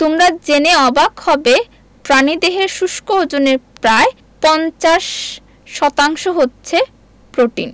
তোমরা জেনে অবাক হবে প্রাণীদেহের শুষ্ক ওজনের প্রায় ৫০% হচ্ছে প্রোটিন